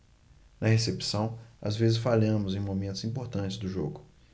na recepção às vezes falhamos em momentos importantes do jogo